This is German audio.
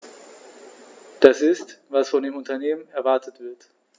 Das ist, was von den Unternehmen erwartet wird.